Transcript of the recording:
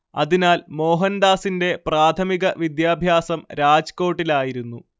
അതിനാൽ മോഹൻദാസിന്റെ പ്രാഥമിക വിദ്യാഭ്യാസം രാജ്കോട്ടിലായിരുന്നു